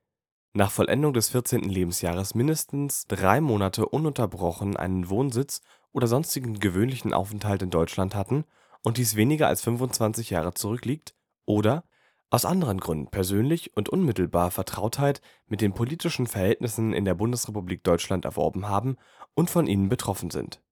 nach Vollendung des 14. Lebensjahres mindestens drei Monate ununterbrochen einen Wohnsitz oder sonstigen gewöhnlichen Aufenthalt in Deutschland hatten und dies weniger als 25 Jahre zurückliegt oder „ aus anderen Gründen persönlich und unmittelbar Vertrautheit mit den politischen Verhältnissen in der Bundesrepublik Deutschland erworben haben und von ihnen betroffen sind